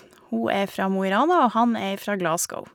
Hun er fra Mo i Rana, og han er ifra Glasgow.